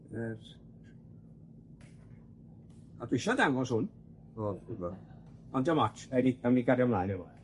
Yr a dwi isio dangos hwn ond 'di o'm ots, raid ni... Nawn ni gario ymlaen efo fe.